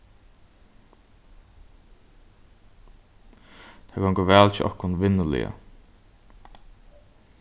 tað gongur væl hjá okkum vinnuliga